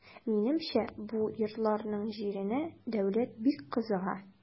Минемчә бу йортларның җиренә дәүләт бик кызыга.